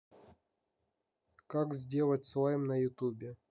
как сделать слайм на ютубе